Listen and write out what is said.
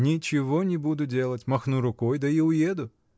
— Ничего не буду делать; махну рукой да и уеду.